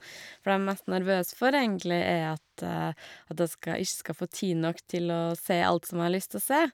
For det jeg er mest nervøs for, egentlig, er at at jeg skal ikke skal få tid nok til å se alt som jeg har lyst å se.